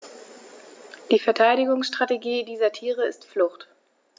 Die Verteidigungsstrategie dieser Tiere ist Flucht.